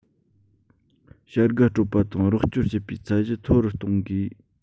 བྱ དགའ སྤྲོད པ དང རོགས སྐྱོར བྱེད པའི ཚད གཞི མཐོ རུ གཏོང དགོས